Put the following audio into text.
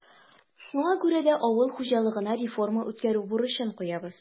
Шуңа күрә дә авыл хуҗалыгына реформа үткәрү бурычын куябыз.